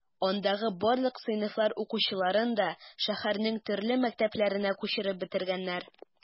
Андагы барлык сыйныфлар укучыларын да шәһәрнең төрле мәктәпләренә күчереп бетергәннәр.